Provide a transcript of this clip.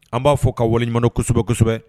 An b'a fɔ ka waleɲuman kosɛbɛ kosɛbɛ